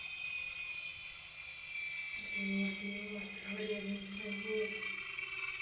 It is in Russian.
георгий остер вредные советы